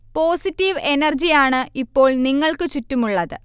positive energy ആണ് ഇപ്പോൾ നിങ്ങൾക്ക് ചുറ്റുമുള്ളത്